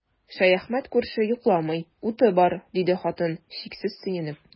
Шәяхмәт күрше йокламый, уты бар, диде хатын, чиксез сөенеп.